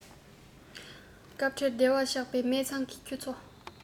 སྐབས འཕྲལ བདེ བར ཆགས པའི སྨད འཚོང གི ཁྱུ ཚོགས